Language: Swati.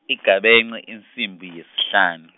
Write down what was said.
Igabence insimbi yesihlanu.